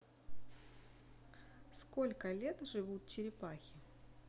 сколько лет живут черепахи